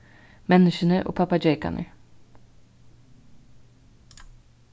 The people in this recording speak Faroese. menniskjuni og pappageykarnir